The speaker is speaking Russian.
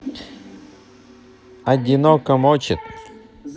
одиноко мочит